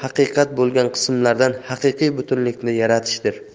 haqiqat bo'lgan qismlardan haqiqiy butunlikni yaratishdir